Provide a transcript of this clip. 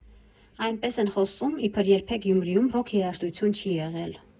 Այնպես են խոսում, իբր երբեք Գյումրիում ռոք երաժշտություն չի եղել։